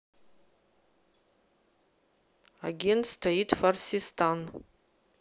агент стоит фарсистан